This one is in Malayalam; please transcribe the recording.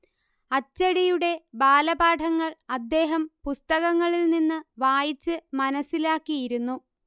അച്ചടിയുടെ ബാലപാഠങ്ങൾ അദ്ദേഹം പുസ്തകങ്ങളിൽ നിന്ന് വായിച്ച് മനസ്സിലാക്കിയിരുന്നു